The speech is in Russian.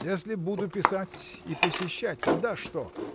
— Если буду писать и посещать — тогда что?